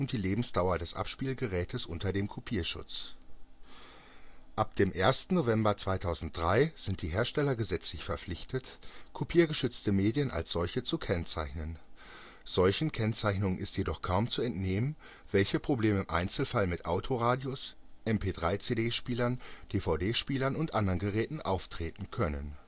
Lebensdauer des Abspielgerätes unter dem Kopierschutz. Ab dem 1. November 2003 sind die Hersteller gesetzlich verpflichtet, kopiergeschützte Medien als solche zu kennzeichnen. Solchen Kennzeichnungen ist jedoch kaum zu entnehmen, welche Probleme im Einzelfall mit Autoradios, MP3-CD-Spielern, DVD-Spielern und anderen Geräten auftreten können